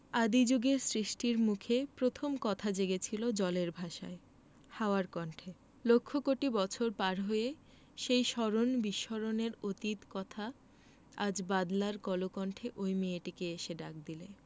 আদি জুগে সৃষ্টির মুখে প্রথম কথা জেগেছিল জলের ভাষায় হাওয়ার কণ্ঠে লক্ষ কোটি বছর পার হয়ে সেই স্মরণ বিস্মরণের অতীত কথা আজ বাদলার কলকণ্ঠে ঐ মেয়েটিকে এসে ডাক দিলে